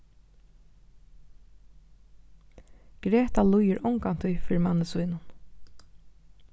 greta lýgur ongantíð fyri manni sínum